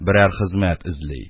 Берәр хезмәт эзли.